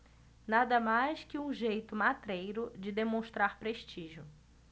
nada mais que um jeito matreiro de demonstrar prestígio